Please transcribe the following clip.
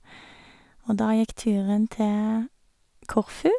Og da gikk turen til Korfu.